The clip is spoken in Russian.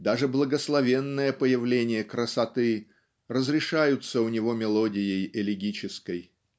даже благословенное появление красоты разрешаются у него мелодией элегической.